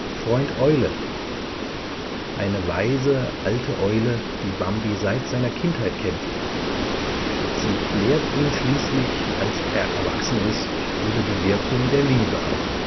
Freund Eule (Friend Owl) Eine weise alte Eule, die Bambi seit seiner Kindheit kennt. Sie klärt ihn schließlich, als er erwachsen ist, über die Wirkung der Liebe auf